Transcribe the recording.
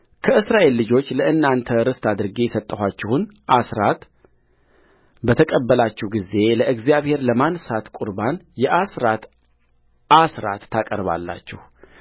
ከእስራኤል ልጆች ለእናንተ ርስት አድርጌ የሰጠኋችሁን አሥራት በተቀበላችሁ ጊዜ ለእግዚአብሔር ለማንሣት ቍርባን የአሥራት አሥራት ታቀርባላችሁ